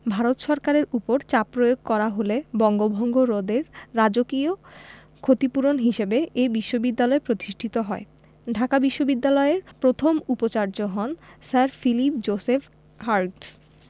ভারত সরকারের ওপর চাপ প্রয়োগ করা হলে বঙ্গভঙ্গ রদের রাজকীয় ক্ষতিপূরণ হিসেবে এ বিশ্ববিদ্যালয় প্রতিষ্ঠিত হয় ঢাকা বিশ্ববিদ্যালয়ের প্রথম উপাচার্য হন স্যার ফিলিপ জোসেফ হার্টজ